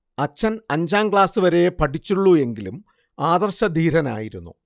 അച്ഛൻ അഞ്ചാം ക്ലാസുവരെയെ പഠിച്ചുള്ളൂ എങ്കിലും ആദർശധീരനായിരുന്നു